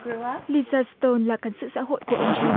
li sa sờ tôn là cần sự xã hội của ông dim